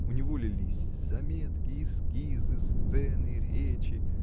У него лились заметки, эскизы, сцены, речи.